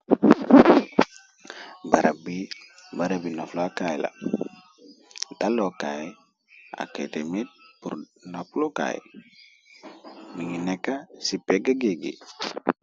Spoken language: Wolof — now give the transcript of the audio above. Barab bi barab bi naflo kaay ak daalo kaay ak katit pur ndaplo kaay migi nekka ci peggi géeg bi.